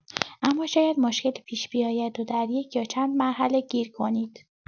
اما شاید مشکلی پیش بیاید و دریک یا چند مرحله گیر کنید.